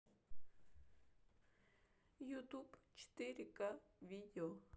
ютуб четыре ка видео